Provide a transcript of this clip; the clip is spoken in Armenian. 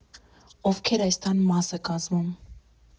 Ովքե՞ր այս տան մասը կազմում։